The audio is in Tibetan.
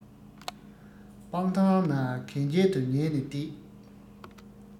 སྤང ཐང ན གན རྐྱལ དུ ཉལ ནས བསྡད